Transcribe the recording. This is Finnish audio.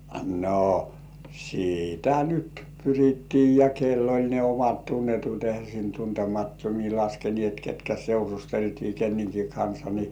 no sitä nyt pyrittiin ja kenellä oli ne omat tunnetut eihän sinne tuntemattomia laskeneet ketkä seurusteltiin kenenkin kanssa niin